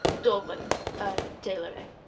Dwfn yn teulu fi.